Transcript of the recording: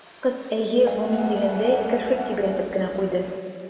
Кыз, «әйе, бу мин» дигәндәй, керфек тибрәтеп кенә куйды.